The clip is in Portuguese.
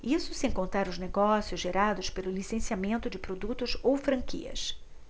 isso sem contar os negócios gerados pelo licenciamento de produtos ou franquias